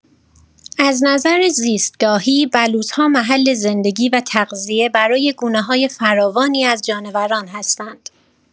از نظر زیستگاهی، بلوط‌ها محل زندگی و تغذیه برای گونه‌های فراوانی از جانوران هستند؛